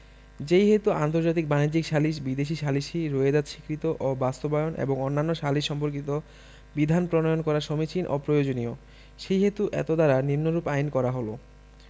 যেইহেতু আন্তর্জাতিক বাণিজ্যিক সালিস বিদেশী সালিসী রোয়েদাদ স্বীকৃত ও বাস্তবায়ন এবং অন্যান্য সালিস সম্পর্কিত বিধান প্রণয়ন করা সমীচীন ও প্রয়োজনীয় সেইহেতু এতদ্বারা নিম্নরূপ আইন করা হল